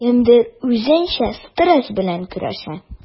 Кемдер үзенчә стресс белән көрәшә.